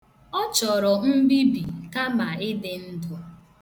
Ọ chọrọ mbibi kama ịdị ndụ.